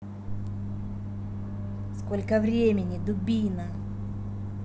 сколько времени дубина